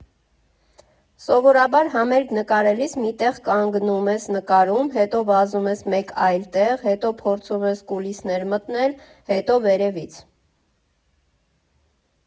Սովորաբար համերգ նկարելիս մի տեղ կանգնում ես նկարում, հետո վազում մեկ այլ տեղ, հետո փորձում ես կուլիսներ մտնել, հետո վերևից…